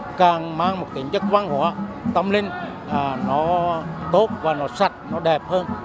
càng mang một tính chất văn hóa tâm linh nó tốt và nó sạch nó đẹp hơn